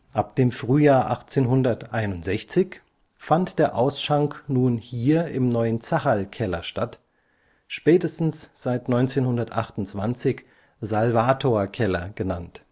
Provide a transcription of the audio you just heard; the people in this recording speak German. Ab dem Frühjahr 1861 fand der Ausschank nun hier im neuen Zacherl-Keller statt, spätestens seit 1928 Salvator-Keller genannt